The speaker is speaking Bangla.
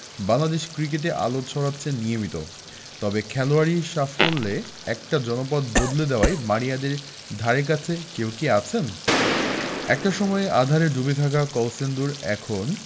বাংলাদেশ ক্রিকেটে আলো ছড়াচ্ছেন নিয়মিত তবে খেলোয়াড়ি সাফল্যে একটা জনপদ বদলে দেওয়ায় মারিয়াদের ধারেকাছে কেউ কি আছেন একটা সময়ে আঁধারে ডুবে থাকা কলসিন্দুর এখন